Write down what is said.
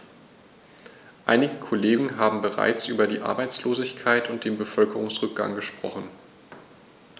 Einige Kollegen haben bereits über die Arbeitslosigkeit und den Bevölkerungsrückgang gesprochen.